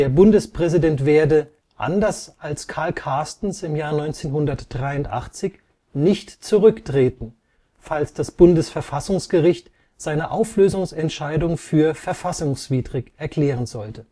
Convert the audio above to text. Bundespräsident werde, anders als Karl Carstens im Jahr 1983, nicht zurücktreten, falls das Bundesverfassungsgericht seine Auflösungsentscheidung für verfassungswidrig erklären sollte